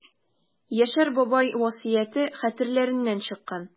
Яшәр бабай васыяте хәтерләреннән чыккан.